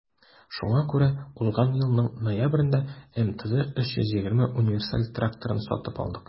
Шуңа күрә узган елның ноябрендә МТЗ 320 универсаль тракторын сатып алдык.